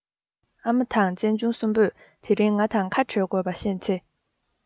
ཨ མ དང གཅེན གཅུང གསུམ པོས དེ རིང ང དང ཁ འབྲལ དགོས པ ཤེས ཚེ